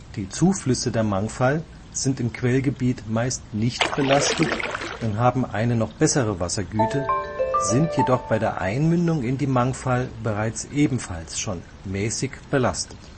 Die Zuflüsse der Mangfall sind im Quellgebiet meist nicht belastet, und haben eine noch bessere Wassergüte, sind jedoch bei der Einmündung in die Mangfall bereits ebenfalls schon mäßig belastet